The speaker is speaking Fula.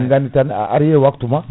min gandi tan a ari e wptu ma